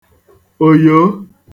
òyòo